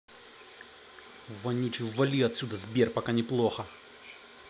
вонючий вали отсюда сбер пока неплохо